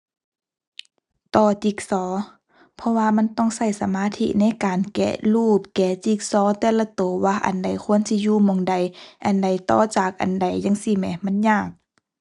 ต่อจิกซอว์ เพราะว่ามันต้องใช้สมาธิในการแกะรูป แกะจิกซอว์แต่ละใช้ว่าอันใดควรจิอยู่หม้องใด อันใดต่อจากอันใดจั่งซี้แหม มันยาก